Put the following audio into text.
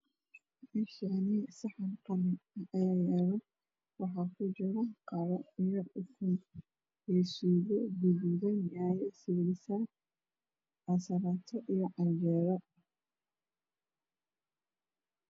Meeshaan saxan qalin ah ayaa yaalo waxaa kujiro qado iyo suugo gaduudan yaanyo simisaam, ansalaato iyo canjeelo.